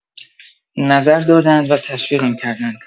نظر داده‌اند و تشویقم کرده‌اند.